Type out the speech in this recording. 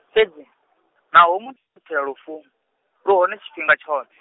fhedzi, naho mu- o tshila lufu, lu hone tshifhinga tshoṱhe.